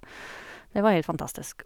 Det var helt fantastisk.